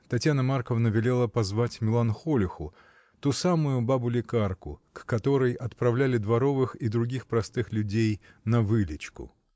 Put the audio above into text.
Татьяна Марковна велела позвать Меланхолиху, ту самую бабу-лекарку, к которой отправляли дворовых и других простых людей на вылечку.